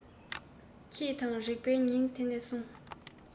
ཁྱེད དང རེག པའི ཉིན དེ ནས བཟུང